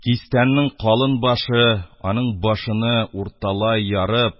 Кистәннең калын башы аның башыны урталай ярып,